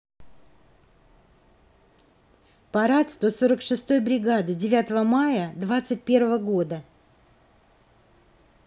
парад сто сорок шестой бригады девятого мая двадцать первого года